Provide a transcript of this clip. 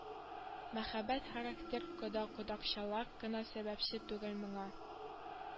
Мәхәббәт характер кода-кодачалар гына сәбәпче түгел моңа